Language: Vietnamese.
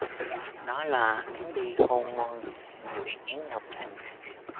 đó là hướng đi khôn ngoan được nhiều ý kiến đồng tình